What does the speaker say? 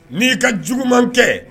N'i ka juguman kɛ